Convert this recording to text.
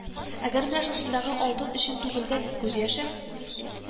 Әгәр менә шушындагы Алтын өчен түгелгән күз яше